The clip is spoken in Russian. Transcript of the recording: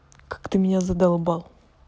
как ты меня задолбал